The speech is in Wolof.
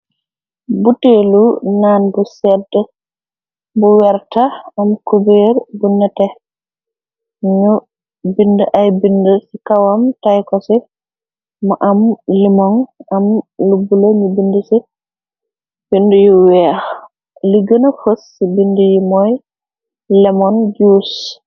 Buteelu naan bu sedd, bu werta am kubeer bu nete, ñu binde ay binde ci kawam tayko ci mu am lemon, am lu bule, ñu binde ci binde yu weex, li gënaf fos ci binde yi mooy lemon jus.